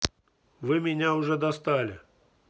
вы меня уже достали